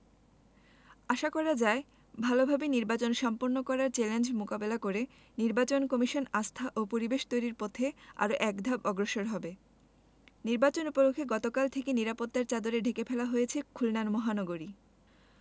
আশা করা যায় ভালোভাবে নির্বাচন সম্পন্ন করার চ্যালেঞ্জ মোকাবেলা করে নির্বাচন কমিশন আস্থা ও পরিবেশ তৈরির পথে আরো একধাপ অগ্রসর হবে নির্বাচন উপলক্ষে গতকাল থেকে নিরাপত্তার চাদরে ঢেকে ফেলা হয়েছে খুলনা মহানগরী